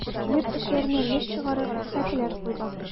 Йорт эчләренә мич чыгарып, сәкеләр куйдык.